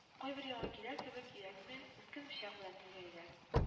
Кайбер яңа көйләр кебек, йөрәкне үткен пычак белән телгәлиләр